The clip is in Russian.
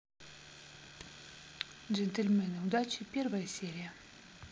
джентльмены удачи первая серия